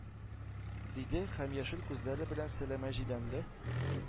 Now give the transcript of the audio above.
Диде һәм яшел күзләре белән сәләмә җиләнле